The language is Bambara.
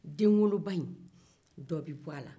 denwoloba in dɔ bɛ bɔ a la